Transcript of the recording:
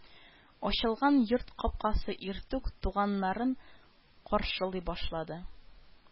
Ачылган йорт капкасы иртүк туганнарын каршылый башлады